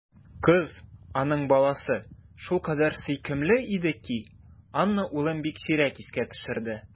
Кыз, аның баласы, шулкадәр сөйкемле иде ки, Анна улын бик сирәк искә төшерде.